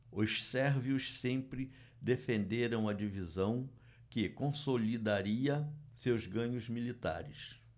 os sérvios sempre defenderam a divisão que consolidaria seus ganhos militares